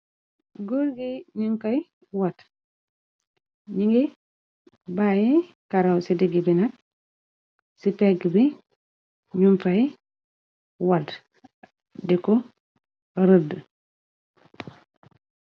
Gurgé ñum fay wadd ni ngé bayyi karaw ci digg binat ci pégg bi ñum fay wàdd di ko rëdd.